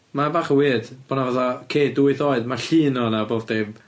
Ma'n bach yn weird bo' 'na fatha kid wyth oed, ma' llun o'na a bob dim.